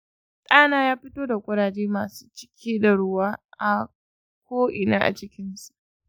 ɗana ya fito da kuraje masu cike da ruwa a ko'ina a jikinsa.